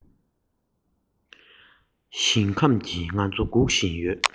ཞིང ཁམས ཀྱིས ང ཚོ སྒུག བཞིན ཡོད